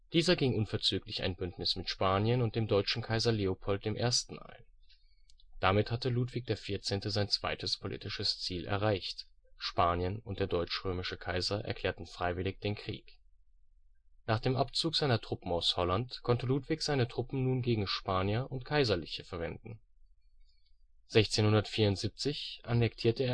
Dieser ging unverzüglich ein Bündnis mit Spanien und dem deutschen Kaiser Leopold I. ein. Damit hatte Ludwig XIV. sein zweites politisches Ziel erreicht, Spanien und der deutsch-römische Kaiser erklärten freiwillig den Krieg. Nach dem Abzug seiner Truppen aus Holland, konnte Ludwig seine Truppen nun gegen Spanier und Kaiserliche verwenden. 1674 annektierte